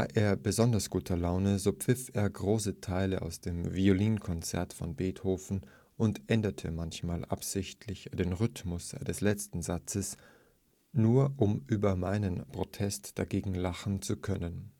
er besonders guter Laune, so pfiff er große Teile aus dem Violinkonzert von Beethoven und änderte manchmal absichtlich den Rhythmus des letzten Satzes, nur um über meinen Protest dagegen lachen zu können